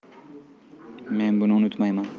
men buni unutmayman